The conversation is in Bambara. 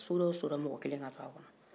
soda o soda mɔgɔ kelen ka to a kɔnɔ